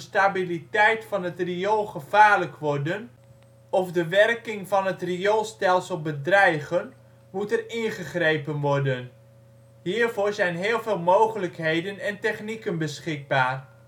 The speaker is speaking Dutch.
stabiliteit van het riool gevaarlijk worden of de werking van het rioolstelsel bedreigen, moet er ingegrepen worden. Hiervoor zijn heel veel mogelijkheden en technieken beschikbaar